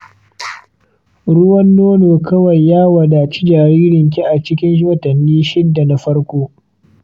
ruwan nono kaɗai ya wadanci jaririnki a cikin watanni shida na farko